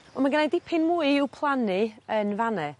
On' ma' gennai dipyn mwy i'w plannu yn fan 'ne.